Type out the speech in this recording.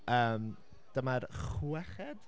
Yym, dyma'r chweched?